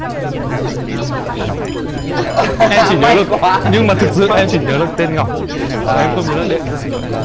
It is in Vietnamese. anh là anh ngọc em chỉ nhớ được nhưng mà thực sự em chỉ nhớ được tên ngọc mà em không nhớ được đệm rất xin lỗi